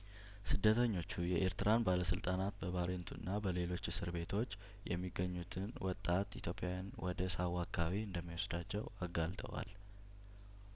ስደተኞቹ የኤርትራን ባለስልጣናት በባሬንቱና በሌሎች እስር ቤቶች የሚገኙትን ወጣት ኢትዮጵያውያን ወደ ሳዋ አካባቢ እንደሚወስዷቸው አጋልጠዋል